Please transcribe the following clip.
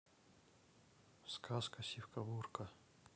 сказка сивка бурка